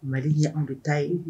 Mali ye anw de ta ye